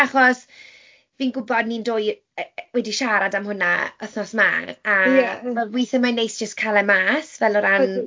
Achos fi'n gwybod ni'n dwy e- wedi siarad am hwnna wythnos 'ma... Ie. ...a weithie mae'n neis jyst cael e mas, fel o ran...